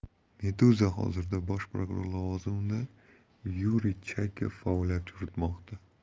meduzahozirda bosh prokuror lavozimida yuriy chayka faoliyat yuritmoqda